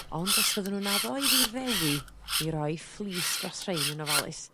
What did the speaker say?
Ond os fydden nw'n addo iddi rewi mi roi fleece dros rhein yn ofalus.